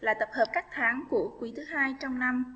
là tập hợp các tháng của quý hai trong năm